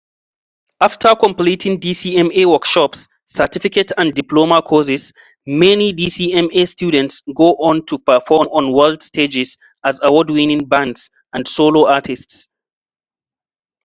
After completing DCMA workshops, certificate and diploma courses, many DCMA students go on to perform on world stages as award-winning bands and solo artists.